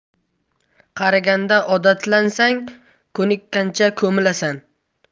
qariganda odatlansang ko'nikkancha ko'milasan